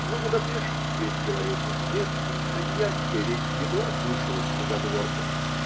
но Будапешт весь говорил по-немецки, мадьярская речь едва слышалась на задворках